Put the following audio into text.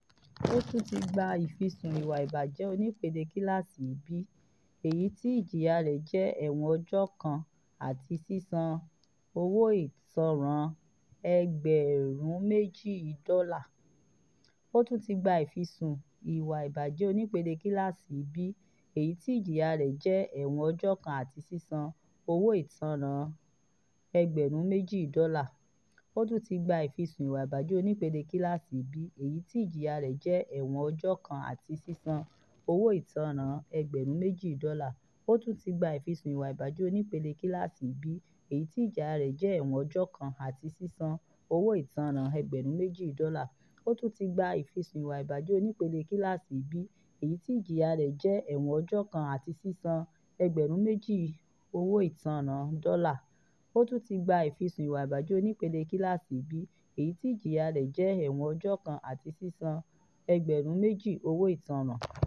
Ó tún ti gba ìfisùn ìwà ìbàjẹ́ onípele Kíláàsì B, èyí tí ìjìyà rẹ̀ jẹ́ ẹ̀wọ̀n ọjọ kan àti sísan $2,000 owó ìtánràn.